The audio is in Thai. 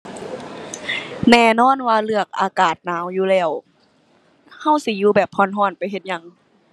แน่นอนว่าเลือกอากาศหนาวอยู่แล้ว เราสิอยู่แบบเราเราไปเฮ็ดหยัง